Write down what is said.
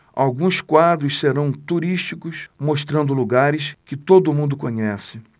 alguns quadros serão turísticos mostrando lugares que todo mundo conhece